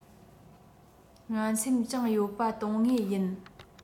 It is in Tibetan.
ངན སེམས བཅངས ཡོད པ དོན དངོས ཡིན